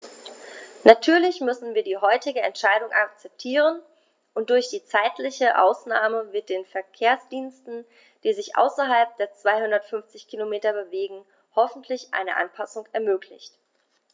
Natürlich müssen wir die heutige Entscheidung akzeptieren, und durch die zeitliche Ausnahme wird den Verkehrsdiensten, die sich außerhalb der 250 Kilometer bewegen, hoffentlich eine Anpassung ermöglicht.